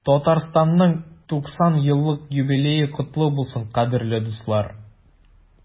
Татарстанның 90 еллык юбилее котлы булсын, кадерле дуслар!